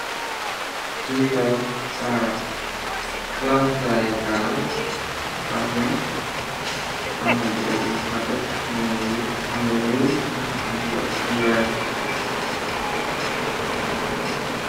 Fikay plaasi jayekaala plaas winak. Amna butelyi watak yenay amli njuul ñenay ani weef.